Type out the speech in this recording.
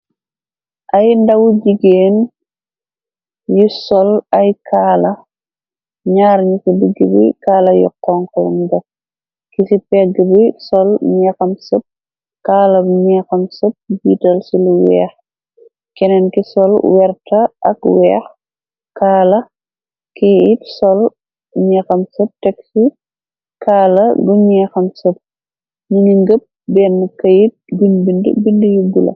Ay ndawu jigéen yu sol ay kaala ñaar ñi ko ligg bi kaala yoxonkon ba ki ci pegg bi sol ñeexam sëp kaala bu ñeexam sëp biital ci lu weex kenen ki sol werta ak weex kaala keeit sol ñeexam sëp teg ci kaala bu ñeexam sep mu ngi ngëpp benn këyit guñ-bind bind yu bula.